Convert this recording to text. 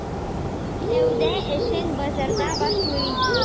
Сәүдә эшен базарда башлый.